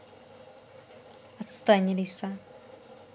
отстань алиса